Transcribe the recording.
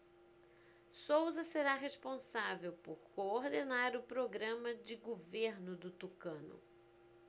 souza será responsável por coordenar o programa de governo do tucano